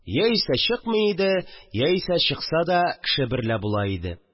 Яисә чыкмый иде, яисә, чыкса да, кеше берлә була иде